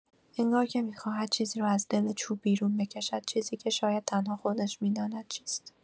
انگار که می‌خواهد چیزی را از دل چوب بیرون بکشد، چیزی که شاید تنها خودش می‌داند چیست.